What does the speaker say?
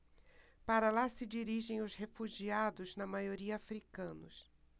para lá se dirigem os refugiados na maioria hútus